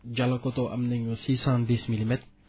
diallokoto am nañu six cent dix milimètres